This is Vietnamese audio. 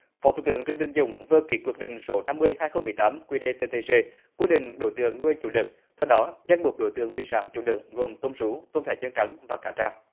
phó thủ tướng trịnh đình dũng vừa ký quyết định số năm mươi hai không mười tám quy đê tê tê dê quy định đối tượng nuôi chủ lực theo đó danh mục đối tượng thủy sản chủ lực gồm tôm sú tôm thẻ chân trắng và cá tra